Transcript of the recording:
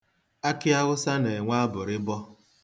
Akịawụsa na-enwe abụrịbọ.